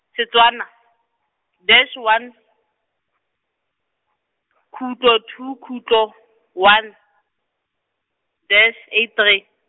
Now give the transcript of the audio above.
Setswana, dash one , khutlo two khutlo, one, dash eight three.